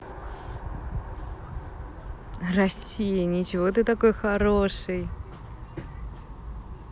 россия ничего ты такой хороший